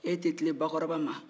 e tɛ tilen bakɔrɔba ma